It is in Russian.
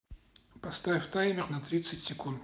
поставь таймер на тридцать секунд